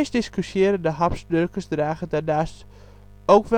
discussierende hapsnurkers dragen daarnaast ook